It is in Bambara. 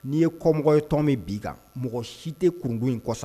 N'i ye kɔmɔgɔ ye tɔn min bi kan mɔgɔ si tɛ kundo in kɔ sa